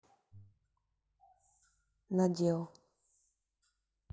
надел